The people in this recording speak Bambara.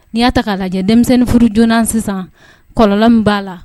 Ni y'a ta ka denmisɛnnin furu joona sisan kɔlɔlɔn min b'a la